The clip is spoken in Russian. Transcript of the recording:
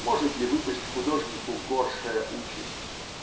может ли выпасть художнику горшая участь?